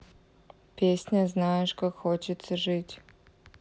песня знаешь как хочется жить